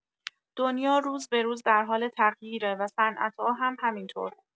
دنیا روز به‌روز در حال تغییره و صنعت‌ها هم همینطور.